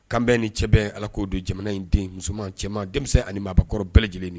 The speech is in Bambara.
Kanbɛn ni cɛbɛn, allah k'o don jamana in den musoman, cɛman, denmisɛn ani mabakɔrɔ bɛɛ lajɛlen